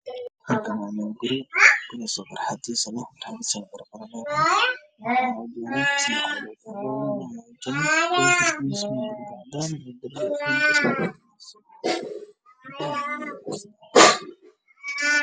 Meeshaan qurux badan waxaan yaalo gaduud ah qolka kalifkiisu waa caddaan